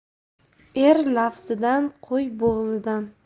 er lafzidan qo'y bo'g'zidan